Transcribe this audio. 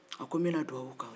n bɛna dugawu k'aw ye